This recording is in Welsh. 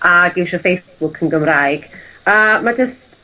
ag isio Facebook yn Gymraeg, a ma' jyst